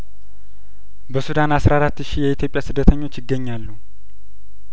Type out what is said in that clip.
በሱዳን አስራ አራት ሺ የኢትዮጵያ ስደተኞች ይገኛሉ